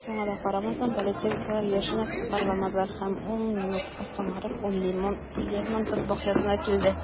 Шуңа да карамастан, полицейскийлар Яшинны тоткарламадылар - һәм ун минутка соңарып, ул Лермонтов бакчасына килде.